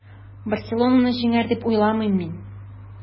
“барселона”ны җиңәр, дип уйламыйм мин.